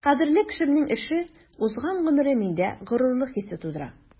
Кадерле кешемнең эше, узган гомере миндә горурлык хисе тудыра.